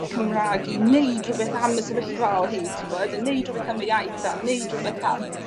Cymra'g i neud rwbeth am y sefyllfa o hyd t'wbod a neud rwbeth am y iaith a neud rwbeth am